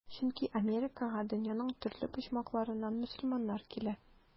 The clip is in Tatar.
Чөнки Америкага дөньяның төрле почмакларыннан мөселманнар килә.